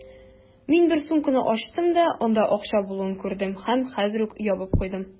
Мин бер сумканы ачтым да, анда акча булуын күрдем һәм хәзер үк ябып куйдым.